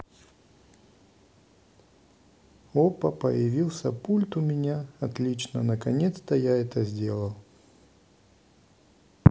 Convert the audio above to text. опа появился пульт у меня отлично наконец то я это сделал